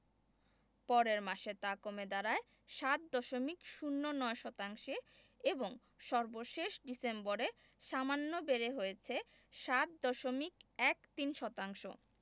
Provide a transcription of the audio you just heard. পরের মাসে তা কমে দাঁড়ায় ৭ দশমিক ০৯ শতাংশে এবং সর্বশেষ ডিসেম্বরে সামান্য বেড়ে হয়েছে ৭ দশমিক ১৩ শতাংশ